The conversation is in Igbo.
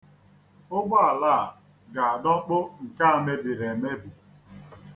Ụgbọala a ga-adọkpụ nke a mebiri emebi.